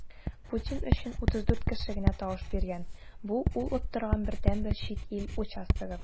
Путин өчен 34 кеше генә тавыш биргән - бу ул оттырган бердәнбер чит ил участогы.